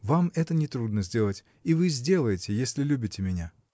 Вам это нетрудно сделать — и вы сделаете, если. любите меня.